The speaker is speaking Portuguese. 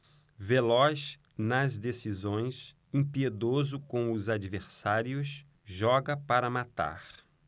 veloz nas decisões impiedoso com os adversários joga para matar